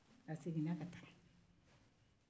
a seginna ka taa